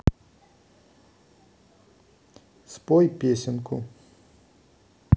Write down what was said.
спой песенку